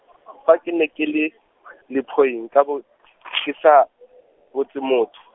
fa ke ne ke le, lephoi nka bo , ke sa, botse motho.